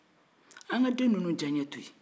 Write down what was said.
an ka den ninnu diyaye to in